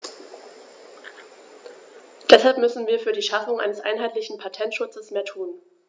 Deshalb müssen wir für die Schaffung eines einheitlichen Patentschutzes mehr tun.